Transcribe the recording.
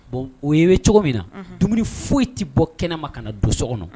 Bɔn o ye ye cogo min na dumuni foyi tɛ bɔ kɛnɛ ma ka na don so kɔnɔ